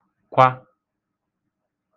kwa